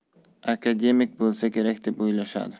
akademik bo'lsa kerak deb o'ylashadi